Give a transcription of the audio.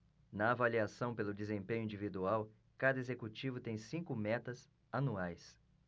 na avaliação pelo desempenho individual cada executivo tem cinco metas anuais